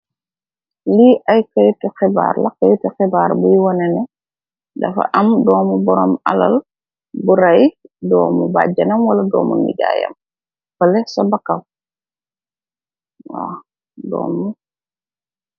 Lii ak kayit tu xibaar, kayit ti xibaar bi wane ne dafa am domu borom alal bu ray domu bajanam wala domu nijayam fale sa Bakau